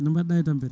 no mbaɗɗa e tampere